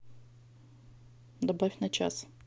добавь на час